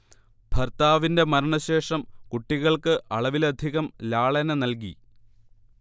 ഭർത്താവിന്റെ മരണശേഷം കുട്ടികൾക്ക് അളവിലധികം ലാളന നൽകി